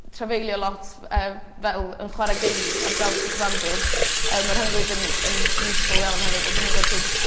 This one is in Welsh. trafeilio lot yy fel yn chware gigs ar draws y cyfandir yy ma'r rhyngrwyd yn yne useful iawn hefyd a dwi'm yn gwel' sut